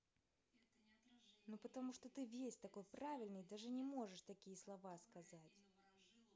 ну потому что ты весь такой правильный даже не можешь такие слова сказать